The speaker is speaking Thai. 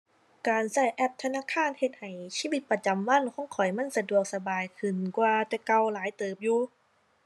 การใช้แอปธนาคารเฮ็ดให้ชีวิตประจำวันของข้อย มันสะดวกสบายขึ้นกว่าแต่เก่าหลายเติบอยู่